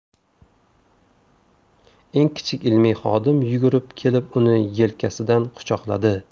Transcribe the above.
eng kichik ilmiy xodim yugurib kelib uni yelkasidan quchoqladi